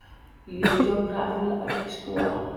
Li geografi la ak histuwaar.